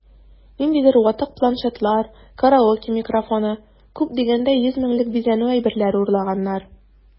Ниндидер ватык планшетлар, караоке микрофоны(!), күп дигәндә 100 меңлек бизәнү әйберләре урлаганнар...